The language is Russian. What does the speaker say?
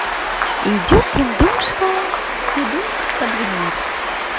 индюк индюшка идут под венец